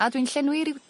a dwi'n llenwi ryw